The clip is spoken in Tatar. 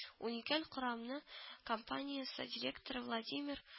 Уникаль Корамне компаниясе директоры Владимир